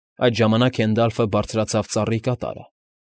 Այդ ժամանակ Հենդալֆը բարձրացավ ծառի կատարը։